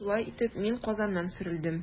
Шулай итеп, мин Казаннан сөрелдем.